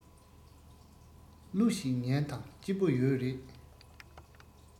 གླུ ཞིག ཉན དང སྐྱིད པོ ཡོད རེད